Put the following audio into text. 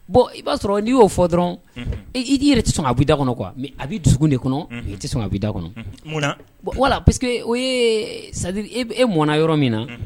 Bon i b'a sɔrɔ n'i y'o fɔ dɔrɔn'i yɛrɛ tɛ sɔn a bɛ da kɔnɔ kuwa a bɛ dusukun de kɔnɔ tɛ sɔn a bɛ da kɔnɔ wala p que o ye sa e mɔnɔnna yɔrɔ min na